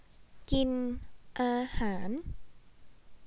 กินอาหาร